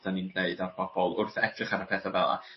'dan ni'n gneud ar pobol wrth edrych ar y petha fe 'la